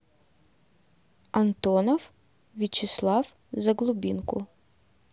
антонов вячеслав за глубинку